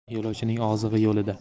yo'lovchining ozig'i yo'lida